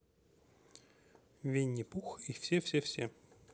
винни пух и все все все